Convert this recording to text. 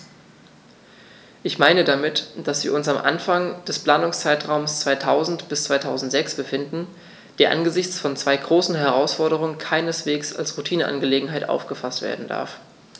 Ich meine damit, dass wir uns am Anfang des Planungszeitraums 2000-2006 befinden, der angesichts von zwei großen Herausforderungen keineswegs als Routineangelegenheit aufgefaßt werden darf.